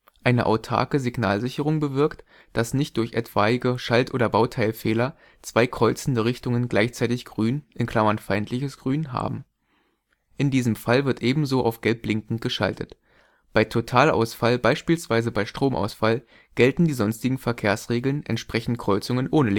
Eine autarke Signalsicherung bewirkt, dass nicht durch etwaige Schalt - oder Bauteilfehler zwei kreuzende Richtungen gleichzeitig Grün („ Feindliches Grün “) haben. In diesem Fall wird ebenso auf Gelb blinkend geschaltet. Bei Totalausfall, beispielsweise bei Stromausfall, gelten die sonstigen Verkehrsregeln entsprechend Kreuzungen ohne